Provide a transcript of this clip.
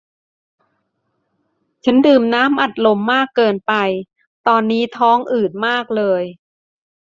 ฉันดื่มน้ำอัดลมมากเกินไปตอนนี้ท้องอืดมากเลย